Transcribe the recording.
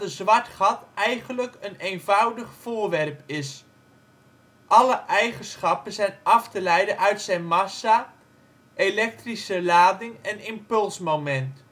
zwart gat eigenlijk een eenvoudig voorwerp is. Alle eigenschappen zijn af te leiden uit zijn massa, elektrische lading en impulsmoment